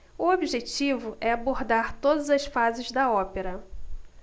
o objetivo é abordar todas as fases da ópera